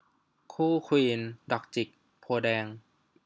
คู่ควีนดอกจิกโพธิ์แดง